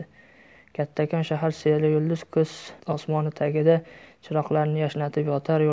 kattakon shahar seryulduz kuz osmoni tagida chiroqlarini yashnatib yotar